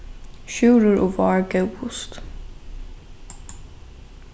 sjúrður og vár góvust